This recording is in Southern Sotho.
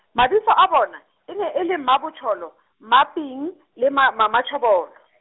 mabitso a bona, e ne e le Mmabojolo, Mmaping le Ma-, Mmatjhobolo.